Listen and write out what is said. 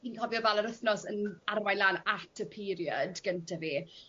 fi'n cofio fal yr wthnos yn arwain lan at y period gynta fi